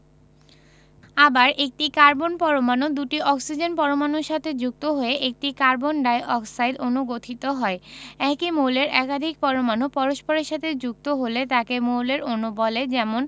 আবার একটি কার্বন পরমাণু দুটি অক্সিজেন পরমাণুর সাথে যুক্ত হয়ে একটি কার্বন ডাই অক্সাইড অণু গঠিত হয় একই মৌলের একাধিক পরমাণু পরস্পরের সাথে যুক্ত হলে তাকে মৌলের অণু বলে যেমন